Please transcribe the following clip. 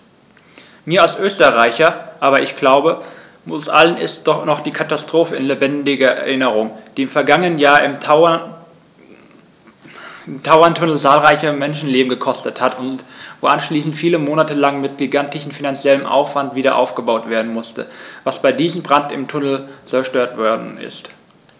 Mir als Österreicher, aber ich glaube, uns allen ist noch die Katastrophe in lebendiger Erinnerung, die im vergangenen Jahr im Tauerntunnel zahlreiche Menschenleben gekostet hat und wo anschließend viele Monate lang mit gigantischem finanziellem Aufwand wiederaufgebaut werden musste, was bei diesem Brand im Tunnel zerstört worden ist.